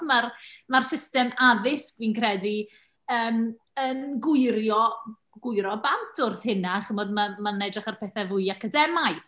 Ma'r ma'r system addysg, fi'n credu, yym, yn gwirio... gwyro bant wrth hynna, chimod, ma' ma'n edrych ar pethe fwy academaidd.